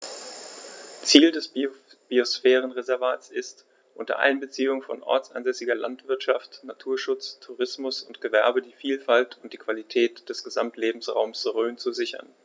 Ziel dieses Biosphärenreservates ist, unter Einbeziehung von ortsansässiger Landwirtschaft, Naturschutz, Tourismus und Gewerbe die Vielfalt und die Qualität des Gesamtlebensraumes Rhön zu sichern.